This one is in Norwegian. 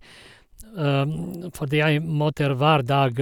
Fordi jeg møter hver dag...